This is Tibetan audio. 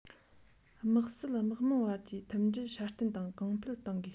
དམག སྲིད དམག དམངས བར གྱི མཐུན སྒྲིལ སྲ བརྟན དང གོང འཕེལ གཏོང དགོས